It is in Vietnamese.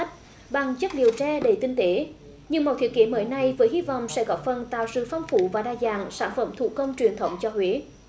bằng chất liệu tre đầy tinh tế những mẫu thiết kế mới này với hy vọng sẽ góp phần tạo sự phong phú và đa dạng sản phẩm thủ công truyền thống cho huế